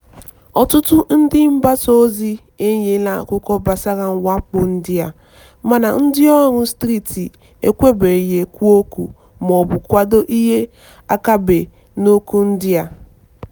Ọtụtụ ndị mgbasaozi enyela akụkọ gbasara mwakpo ndị a, mana ndịọrụ steeti ekwebeghị ekwu okwu mọọbụ kwado ihe akaebe n'okwu ndị a.